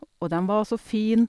Og dem var så fin.